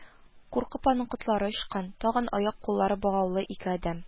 Куркып аның котлары очкан, тагын аяк-куллары богаулы ике адәм